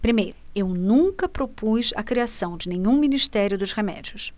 primeiro eu nunca propus a criação de nenhum ministério dos remédios